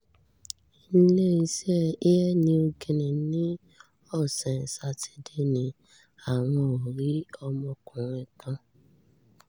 Ilé-iṣẹ́ Air Niugini ní ọ̀sán Sátidé ní àwọn ò rí ọmọkùnrin kan